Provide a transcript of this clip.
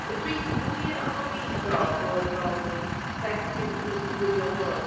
Dwi wir yn gobeithio bod fel, bechgyn sydd yn gwylio hwn...